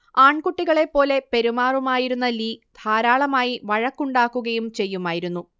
ആൺകുട്ടികളെപ്പോലെ പെരുമാറുമായിരുന്ന ലീ ധാരാളമായി വഴക്കുണ്ടാക്കുകയും ചെയ്യുമായിരുന്നു